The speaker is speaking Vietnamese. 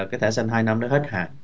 cái thẻ xanh hai năm đó hết hạn